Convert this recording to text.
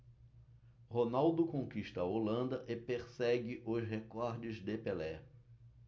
ronaldo conquista a holanda e persegue os recordes de pelé